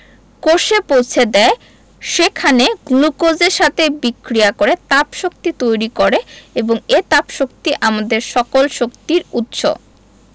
কোষে পৌছে দেয় সেখানে গ্লুকোজের সাথে বিক্রিয়া করে তাপশক্তি তৈরি করে এবং এ তাপশক্তি আমাদের সকল শক্তির উৎস